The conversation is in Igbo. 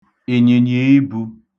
ị̀nyị̀nyìibū